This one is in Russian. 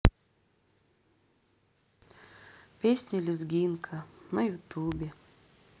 песня лезгинка на ютубе